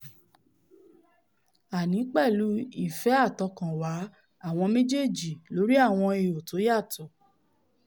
Àní pẹ̀lú ìfẹ́ àtọkànwá àwọn méjèèjì lórí àwọn ihò tóyàtọ̀.